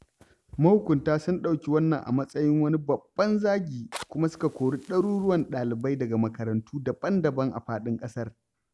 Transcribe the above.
Mahukunta sun ɗauki wannan a matsayin wani babban zagi kuma suka kori ɗaruruwan ɗalibai daga makarantu daban-daban a faɗin ƙasar.